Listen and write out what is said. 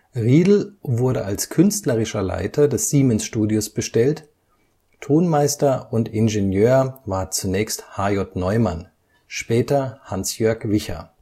Riedl wurde als künstlerischer Leiter des Siemens-Studios bestellt, Tonmeister und Ingenieur war zunächst H.-J. Neumann, später Hansjörg Wicha